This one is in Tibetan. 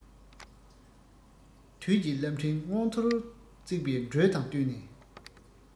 དུས ཀྱི རླབས ཕྲེང མངོན མཐོར བརྩེགས པའི འགྲོས དང བསྟུན ནས